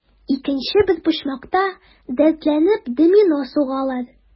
Икенче бер почмакта, дәртләнеп, домино сугалар.